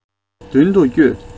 མདུན དུ བསྐྱོད